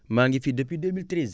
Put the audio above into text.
maa ngi fi depuis 2013